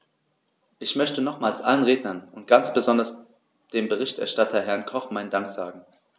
Ich möchte nochmals allen Rednern und ganz besonders dem Berichterstatter, Herrn Koch, meinen Dank sagen.